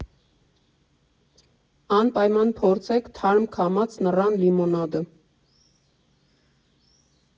Անպայման փորձեք թարմ քամած նռան լիմոնադը։